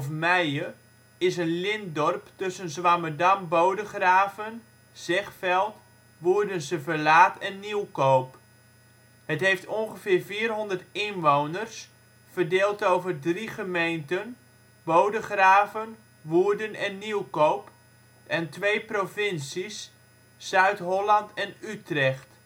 Meije) is een lintdorp tussen Zwammerdam/Bodegraven, Zegveld, Woerdense Verlaat en Nieuwkoop. Het heeft ongeveer 400 inwoners verdeeld over drie gemeenten, Bodegraven, Woerden en Nieuwkoop, en twee provincies, Zuid-Holland en Utrecht